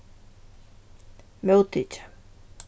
móttikið